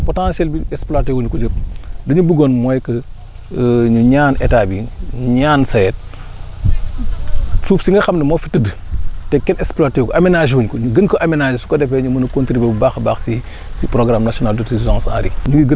potentiel bi exploité wuñ ko yëpp li ñu buggoon mooy que ñu ñaan état bi ñaan SAED suuf si nga xam ne moo fi tëdd te kenn exploité wu ko aménagé wuñ ko ñu gën ko aménagé su ko defee ñu mën a contribuer bu baax a baax si si programme nationale d' autosuffisance en riz